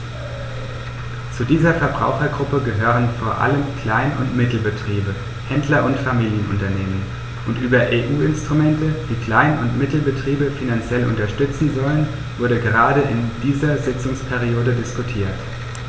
Zu dieser Verbrauchergruppe gehören vor allem Klein- und Mittelbetriebe, Händler und Familienunternehmen, und über EU-Instrumente, die Klein- und Mittelbetriebe finanziell unterstützen sollen, wurde gerade in dieser Sitzungsperiode diskutiert.